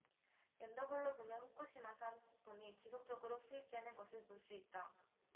연도별로 보면 후쿠시마산 식품이 지속적으로 수입되는 것을 볼 수 있다